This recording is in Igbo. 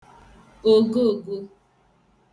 ògoogo